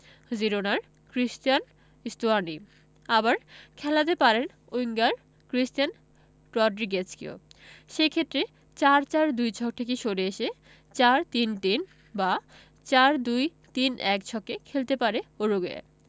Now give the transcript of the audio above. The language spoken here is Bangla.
জিরোনার ক্রিস্টিয়ান স্টুয়ানি আবার খেলাতে পারেন উইঙ্গার ক্রিস্টিয়ান রড্রিগেজকেও সে ক্ষেত্রে ৪ ৪ ২ ছক থেকে সরে এসে ৪ ৩ ৩ বা ৪ ২ ৩ ১ ছকে খেলতে পারে উরুগুয়ে